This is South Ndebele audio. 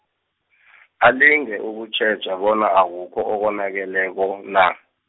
alinge ukutjheja bona akukho okonakeleko, na.